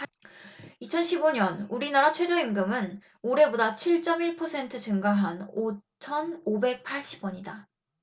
이천 십 오 년 우리나라 최저임금은 올해보다 칠 쩜 일 퍼센트 증가한 오천 오백 팔십 원이다